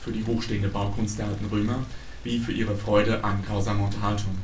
die hochstehende Baukunst der alten Römer wie für ihre Freude an grausamer Unterhaltung